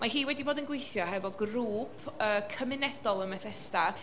Mae hi wedi bod yn gweithio hefo grŵp yy cymunedol ym Methesda.